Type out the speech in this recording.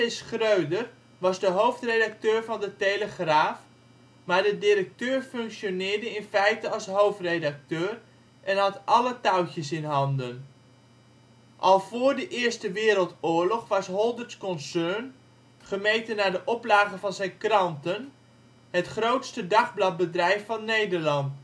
Schröder was de hoofdredacteur van de Telegraaf, maar de directeur functioneerde in feite als hoofdredacteur en had alle touwtjes in handen. Al vóór de Eerste Wereldoorlog was Holderts concern, gemeten naar de oplage van zijn kranten, het grootste dagbladbedrijf van Nederland